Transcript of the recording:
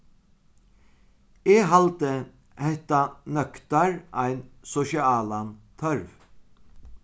eg haldi hetta nøktar ein sosialan tørv